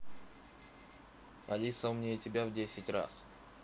алиса умнее тебя в десять раз